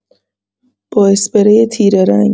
با اسپری تیره‌رنگ